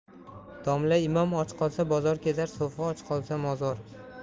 domla imom och qolsa bozor kezar so'fi och qolsa mozor